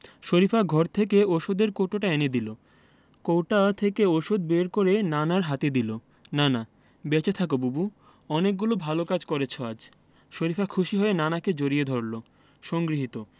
শরিফা ঘর থেকে ঔষধের কৌটোটা এনে দিল কৌটা থেকে ঔষধ বের করে নানার হাতে দিল নানা বেঁচে থাকো বুবু অনেকগুলো ভালো কাজ করেছ আজ শরিফা খুশি হয়ে নানাকে জড়িয়ে ধরল সংগৃহীত